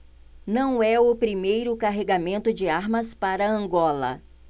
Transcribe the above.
não é o primeiro carregamento de armas para angola